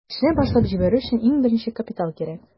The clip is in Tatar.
Эшне башлап җибәрү өчен иң беренче капитал кирәк.